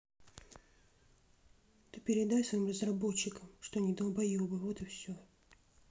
ты передай своим разработчикам что они долбоебы вот и все